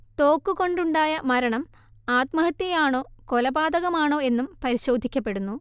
തോക്കുകൊണ്ടുണ്ടായ മരണം ആത്മഹത്യയാണോ കൊലപാതകമാണോ എന്നും പരിശോധിക്കപ്പെടുന്നു